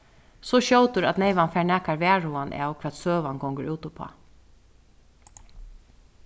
so skjótur at neyvan fær nakar varhugan av hvat søgan gongur út uppá